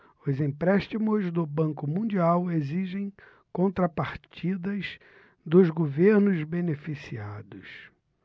os empréstimos do banco mundial exigem contrapartidas dos governos beneficiados